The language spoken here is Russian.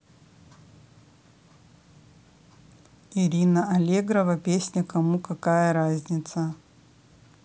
ирина аллегрова песня кому какая разница